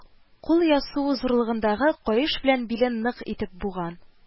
Кул яссуы зурлыгындагы каеш белән билен нык итеп буган